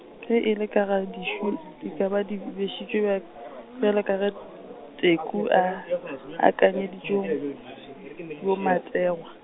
ge e le ka ga dišu, di ka ba di bešitšwe bj-, bjalo ka ge, Teku a, akanyeditše yo bo Matengwa.